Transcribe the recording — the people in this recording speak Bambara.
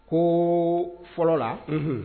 Ko fɔlɔ la